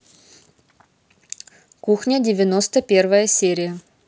кухня девяносто первая серия